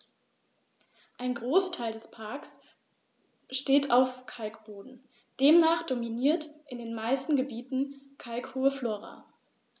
Ein Großteil des Parks steht auf Kalkboden, demnach dominiert in den meisten Gebieten kalkholde Flora.